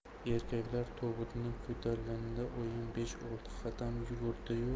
erkaklar tobutni ko'tarishganida oyim besh olti qadam yugurdi yu